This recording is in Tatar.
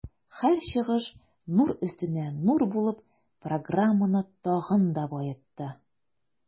Һәр чыгыш нур өстенә нур булып, программаны тагын да баетты.